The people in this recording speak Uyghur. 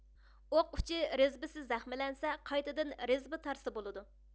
ئوق ئۇچى رېزبسى زەخىملەنسە قايتىدىن رېزبا تارتسا بولىدۇ